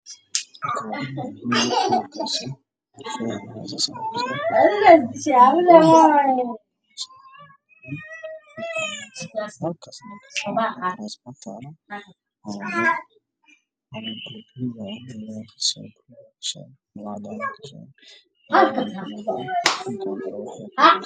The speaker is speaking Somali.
Waa qol waxaa ka daaran leer buluug ah